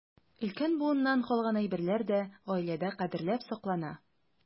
Өлкән буыннан калган әйберләр дә гаиләдә кадерләп саклана.